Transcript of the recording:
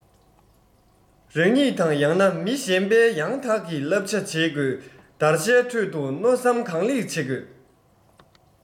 རང ཉིད དང ཡང ན མི གཞན པའི ཡང དག གི བསླབ བྱ བྱེད དགོས བདར ཤའི ཁྲོད དུ མནོ བསམ གང ལེགས བྱེད དགོས